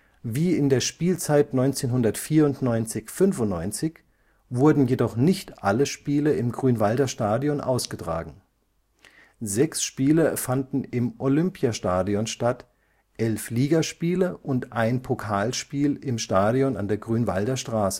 Wie in der Spielzeit 1994 / 95 wurden jedoch nicht alle Spiele im Grünwalder Stadion ausgetragen. Sechs Spiele fanden im Olympiastadion statt, elf Ligaspiele und ein Pokalspiel im Stadion an der Grünwalder Straße